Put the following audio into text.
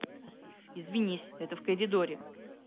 извинись это в коридоре